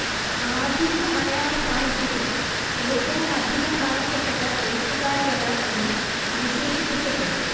ആധുനിക മലയാള സാഹിത്യത്തിൽ ഏറ്റവുമധികം വായിക്കപ്പെട്ട എഴുത്തുകാരിലൊരാൾ എന്ന് വിശേഷിപ്പിക്കപ്പെട്ടു